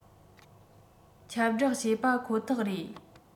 ཁྱབ བསྒྲགས བྱས པ ཁོ ཐག རེད